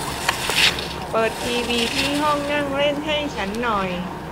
เปิดทีวีที่ห้องนั่งเล่นให้ฉันหน่อย